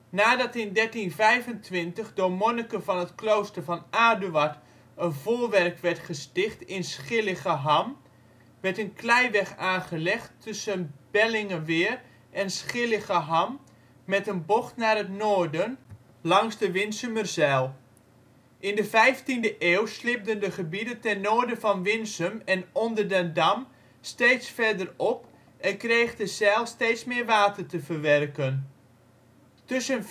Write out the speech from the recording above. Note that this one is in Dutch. Nadat in 1325 door monniken van het Klooster van Aduard een voorwerk werd gesticht in Schilligeham, werd een kleiweg aangelegd tussen Bellingeweer en Schilligeham met een bocht naar het noorden langs de Winsumerzijl. In de 15e eeuw slibden de gebieden ten noorden van Winsum en Onderdendam steeds verder op en kreeg de zijl steeds meer water te verwerken. Tussen